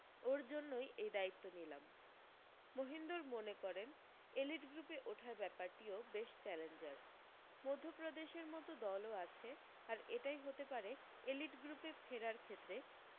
ওর জন্যই এই দায়িত্ব নিলাম মহিন্দর মনে করেন এলিট গ্রুপে ওঠার ব্যাপারটি ও বেশ চ্যালেঞ্জার মধ্যপ্রদেশের মতো দলও আছে আর এটাই হতে পারে এলিট গ্রুপে ফেরার ক্ষেত্রে